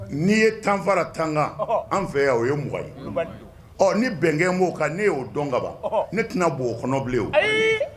N'i ye tanfara tanga an fɛ yan o yeugan ye ɔ ni bɛnkɛ b'o kan ne y'o dɔn kaban ne tɛna b o kɔnɔbilen o